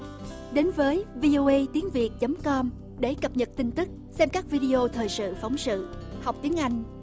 đến với vi ô ây tiếng việt chấm com để cập nhật tin tức xem các vi đê ô thời sự phóng sự học tiếng anh